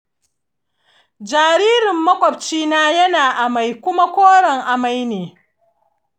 jaririn makwabcina yana amai, kuma koren amai ne.